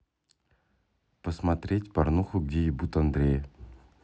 посмотреть порнуху где ебут андрея